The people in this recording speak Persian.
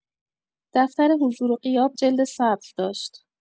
دفتر حضور و غیاب جلد سبز داشت.